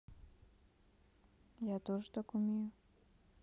я тоже так умею